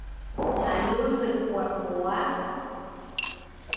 ฉันรู้สึกปวดหัว